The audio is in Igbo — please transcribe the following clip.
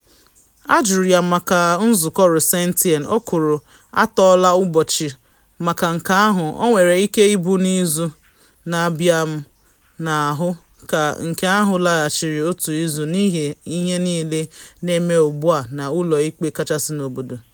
Ajụrụ ya maka nzụkọ Rosentein, o kwuru: “Atọọla ụbọchị maka nke ahụ, ọ nwere ike ịbụ n’izu na abịa, m na ahụ ka nke ahụ laghachiri otu izu n’ihi ihe niile na eme ugbu a na ụlọ ikpe kachasị n’obodo.